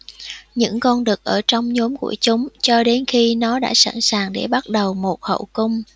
những con đực ở trong nhóm của chúng cho đến khi nó đã sẵn sàng để bắt đầu một hậu cung